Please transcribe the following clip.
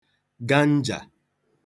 ganjà